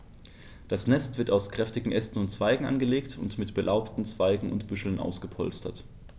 Das Nest wird aus kräftigen Ästen und Zweigen angelegt und mit belaubten Zweigen und Büscheln ausgepolstert.